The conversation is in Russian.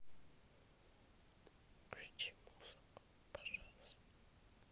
включи музыку пожалуйста